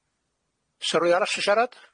Sa rwun arall sho siarad?